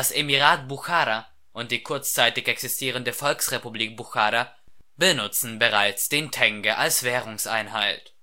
Emirat Buchara und die kurzzeitig existierende Volksrepublik Buchara benutzten bereits den Tenge als Währungseinheit